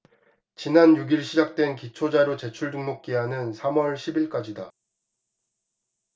지난 육 일 시작된 기초자료 제출 등록 기한은 삼 월 십 일까지다